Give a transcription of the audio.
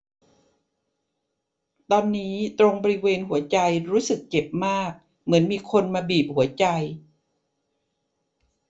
ตอนนี้ตรงบริเวณหัวใจรู้สึกเจ็บมากเหมือนมีคนมาบีบหัวใจ